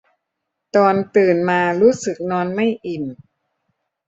ตอนตื่นมารู้สึกนอนไม่อิ่ม